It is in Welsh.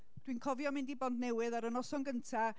Dwi'n cofio mynd i Bontnewydd ar y noson gynta.